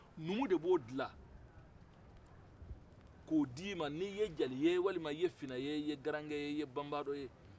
numu de b'o dilan k'o dima n'i ye jeli walima i ye finɛ i ye garankɛ ye i ye banbandɔ ye